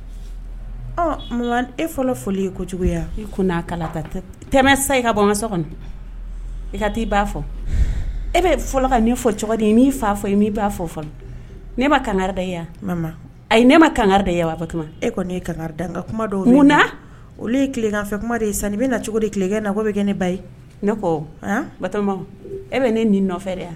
Sa i ka kɔnɔ i ka ba fɔ e bɛ fɔlɔ ka fɔ cogo fɔ ba fɔ ma kanga da yan a ne ma kanga da yan e kɔni ne ye kanga ka kuma munda o yekan fɛ kuma ye san i bɛna na cogo dikɛ na ko bɛ kɛ ne ba ye ne ba e bɛ ne nin nɔfɛ yan